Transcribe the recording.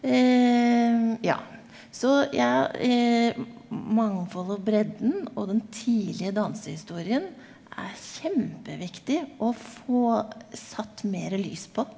ja så jeg mangfoldet og bredden og den tidlige dansehistorien er kjempeviktig å få satt mere lys på.